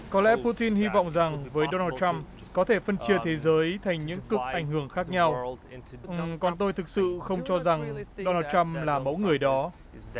có lẽ pu tin hy vọng rằng với đo nồ troăm có thể phân chia thế giới thành những cực ảnh hưởng khác nhau còn tôi thực sự không cho rằng đo nồ trăm là mẫu người đó